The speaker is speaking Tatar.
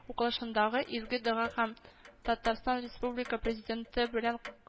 Укылышындагы изге дога һәм татарстан республика президенты белән